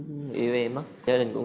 người yêu em á gia đình cũng